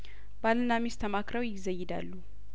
ባልና ሚስት ተማክረው ይዘ ይዳሉ